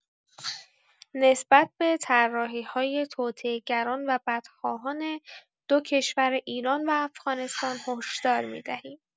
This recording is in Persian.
نسبت به طراحی‌های توطئه‌گران و بدخواهان دو کشور ایران و افغانستان هشدار می‌دهیم.